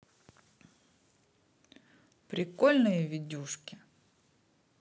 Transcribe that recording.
прикольные видюшки